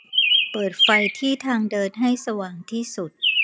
เปิดไฟที่ทางเดินให้สว่างที่สุด